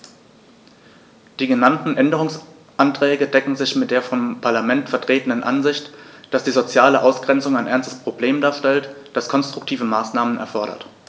Die genannten Änderungsanträge decken sich mit der vom Parlament vertretenen Ansicht, dass die soziale Ausgrenzung ein ernstes Problem darstellt, das konstruktive Maßnahmen erfordert.